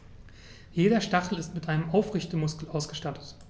Jeder Stachel ist mit einem Aufrichtemuskel ausgestattet.